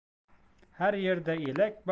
har yerda elak bor